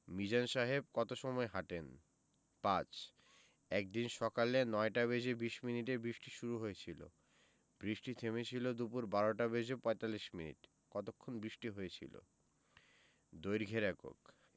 মিজান সাহেব কত সময় হাঁটেন ৫ একদিন সকালে ৯টা বেজে ২০ মিনিটে বৃষ্টি শুরু হয়েছিল বৃষ্টি থেমেছিল দুপুর ১২টা বেজে ৪৫ মিনিট কতক্ষণ বৃষ্টি হয়েছিল দৈর্ঘ্যের একক